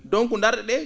donc ndaar?e ?ee